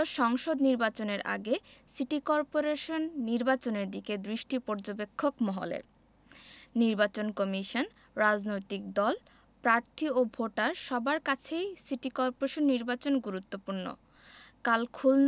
একাদশ সংসদ নির্বাচনের আগে সিটি করপোরেশন নির্বাচনের দিকে দৃষ্টি পর্যবেক্ষক মহলের নির্বাচন কমিশন রাজনৈতিক দল প্রার্থী ও ভোটার সবার কাছেই সিটি করপোরেশন নির্বাচন গুরুত্বপূর্ণ